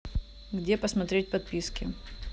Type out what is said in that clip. где посмотреть подписки